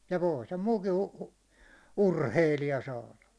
ja voi sen muukin - urheilija saada